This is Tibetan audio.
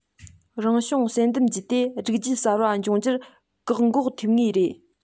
རང བྱུང བསལ འདེམས བརྒྱུད དེ རིགས རྒྱུད གསར པ འབྱུང རྒྱུར བཀག འགོག ཐེབས ངེས རེད